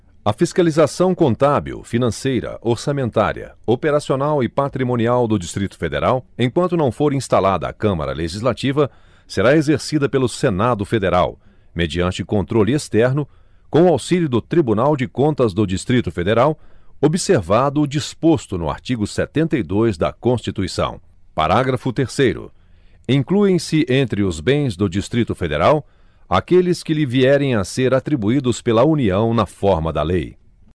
a fiscalização contábil financeira orçamentária operacional e patrimonial do distrito federal enquanto não for instalada a câmara legislativa será exercida pelo senado federal mediante controle externo com o auxílio do tribunal de contas do distrito federal observado o disposto no artigo setenta e dois da constituição parágrafo terceiro incluem se entre os bens do distrito federal aqueles que lhe vierem a ser atribuídos pela união na forma da lei